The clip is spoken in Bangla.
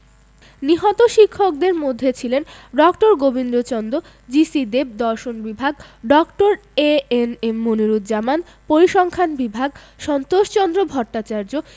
নিহত শিক্ষকদের মধ্যে ছিলেন ড. গোবিন্দচন্দ্র জি.সি দেব দর্শন বিভাগ ড. এ.এন.এম মনিরুজ্জামান পরিসংখান বিভাগ সন্তোষচন্দ্র ভট্টাচার্য